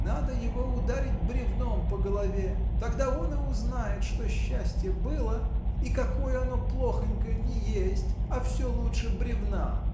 — Надо его ударить бревном по голове, тогда он и узнает, что счастье было, и какое оно плохонькое ни есть, а всё лучше бревна.